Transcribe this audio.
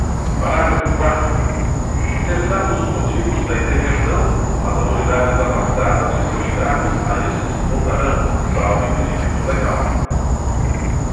parágrafo quarto cessados os motivos da intervenção as autoridades afastadas de seus cargos a estes voltarão salvo impedimento legal